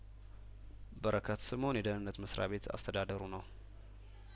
በረከት ስምኦን የደህንነት መስሪያ ቤትን እያስተዳደሩ ነው